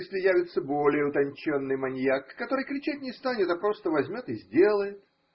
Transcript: если явится более утонченный маньяк, который кричать не станет, а просто возьмет и сделает.